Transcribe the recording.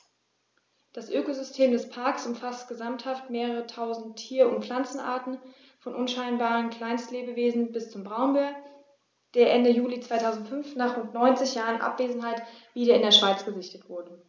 Das Ökosystem des Parks umfasst gesamthaft mehrere tausend Tier- und Pflanzenarten, von unscheinbaren Kleinstlebewesen bis zum Braunbär, der Ende Juli 2005, nach rund 90 Jahren Abwesenheit, wieder in der Schweiz gesichtet wurde.